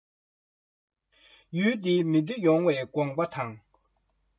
དགོངས མོ ས ལ བབས ལ ཆོས ལ འབུངས